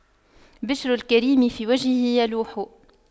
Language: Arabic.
بِشْرُ الكريم في وجهه يلوح